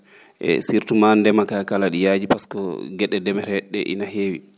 e surtout maa ndema kaa kala ?i yaaji par ce que ge?e ndemeree?e ?ee ina heewi